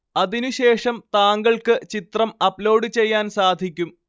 അതിന്ശേഷം താങ്കള്‍ക്ക് ചിത്രം അപ്‌ലോഡ് ചെയ്യാന്‍ സാധിക്കും